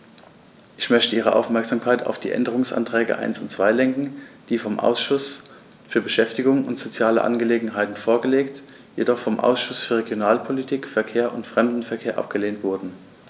Ich möchte Ihre Aufmerksamkeit auf die Änderungsanträge 1 und 2 lenken, die vom Ausschuss für Beschäftigung und soziale Angelegenheiten vorgelegt, jedoch vom Ausschuss für Regionalpolitik, Verkehr und Fremdenverkehr abgelehnt wurden.